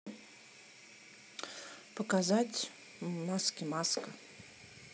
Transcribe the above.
показать маски маска